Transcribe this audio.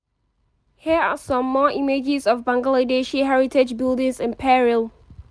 Here are some more images of Bangladeshi heritage buildings in peril: